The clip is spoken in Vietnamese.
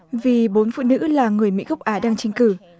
vì bốn phụ nữ là người mỹ gốc á đang tranh cử